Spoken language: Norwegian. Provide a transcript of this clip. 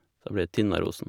Så da blir det Tinnarosen.